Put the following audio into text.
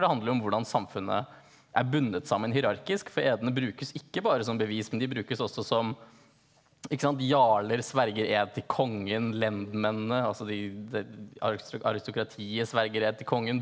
det handler jo om hvordan samfunnet er bundet sammen hierarkisk, for edene brukes ikke bare som bevis men de brukes også som ikke sant jarler sverger ed til kongen lendmennene altså de det aristokratiet sverger ed til kongen.